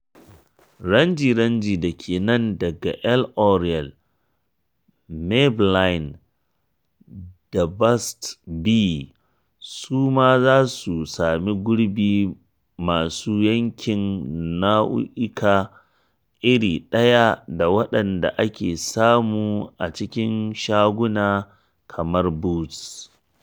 Ranji-ranji da ke nan daga L'Oreal, Maybelline da Burt's Bees su ma za su sami gurbi masu yankin nau’uka iri ɗaya da waɗanda ake samu a cikin shaguna kamar Boots.